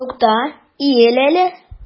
Тукта, иел әле!